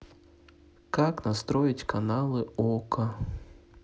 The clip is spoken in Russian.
как настроить каналы окко